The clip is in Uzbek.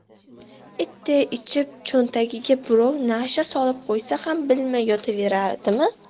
itday ichib cho'ntagiga birov nasha solib qo'ysa ham bilmay yotaveradimi